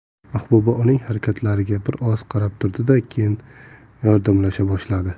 mahbuba uning harakatlariga bir oz qarab turdida keyin yordamlasha boshladi